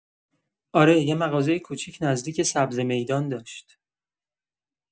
آره، یه مغازه کوچیک نزدیک سبزه‌میدان داشت.